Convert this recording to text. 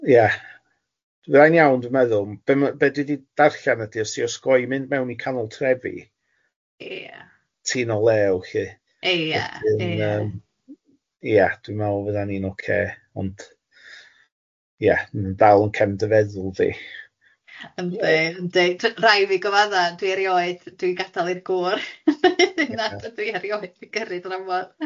ia fydda i'n iawn dwi'n meddwl be- be-ma dwi di darllan di os ti'n osgoi mynd i canol trefi... Ia. ...ti'n o lew lly. ia, ia. Dwi'n meddwl fydda ni'n oce, ond ia, ma dal yn cefn dy feddwl di. Yndi yndi, rhaid fi gyfadda, dwi'n gadal i'r gwr , na dydw dwi erioed di gyrru dramor